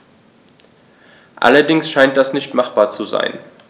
Allerdings scheint das nicht machbar zu sein.